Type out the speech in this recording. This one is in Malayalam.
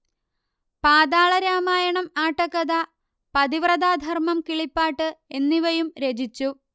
പാതാളരാമായണം ആട്ടക്കഥ പതിവ്രതാധർമം കിളിപ്പാട്ട് എന്നിവയും രചിച്ചു